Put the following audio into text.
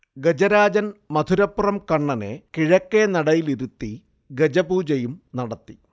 ഗജരാജൻ മധുരപ്പുറം കണ്ണനെ കിഴക്കേ നടയിലിരുത്തി ഗജപൂജയും നടത്തി